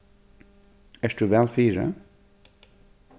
ert tú væl fyri